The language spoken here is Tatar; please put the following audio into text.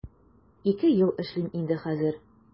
Ике ел эшлим инде хәзер.